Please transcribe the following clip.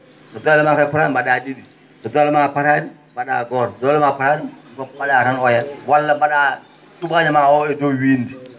so doole maa kadi potaani mba?aa ?i?i so doole maa potaani mba?aa gooto so doole maa potaani mba?aa tan oya walla mba?aa tubaañoo o e dow winnde